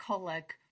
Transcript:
coleg